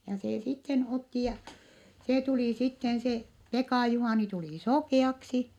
ja se sitten otti ja se tuli sitten se Pekan Juhani tuli sokeaksi